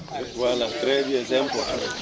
voilà très bien c' est important